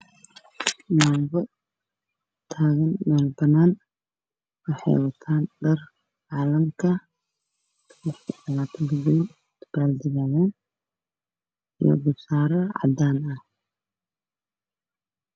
Meeshaan waxaa ka muuqdo yaanbo taalo meel banaan ah